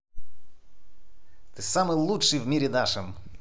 ты самый лучший в мире нашем